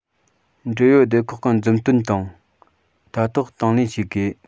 འབྲེལ ཡོད སྡེ ཁག གི མཛུབ སྟོན དང ལྟ རྟོག དང ལེན བྱེད དགོས